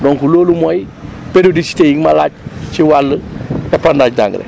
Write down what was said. donc loolu mooy périodicité yi nga ma laaj ci wàll épanage d' engrais